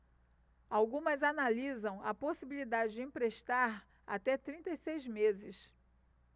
algumas analisam a possibilidade de emprestar até trinta e seis meses